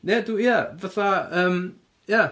... ne' ne' ia fatha ymm ia.